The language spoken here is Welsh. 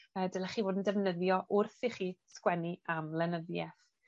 yy dylech chi fod yn defnyddio wrth i chi sgwennu am lenyddieth.